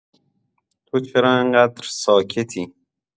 تو چرا این‌قدر ساکتی؟